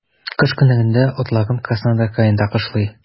Кыш көннәрендә атларым Краснодар краенда кышлый.